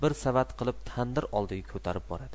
bir savat qilib tandir oldiga ko'tarib boradi